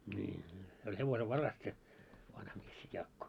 niin niin se oli hevosenvaras se vanha mies se Jaakko